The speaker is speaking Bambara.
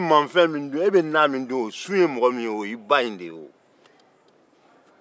e be fɛn min dun o sun ye i ba in de ye o